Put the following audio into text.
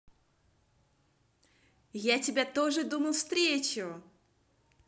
я тебя тоже думал встречу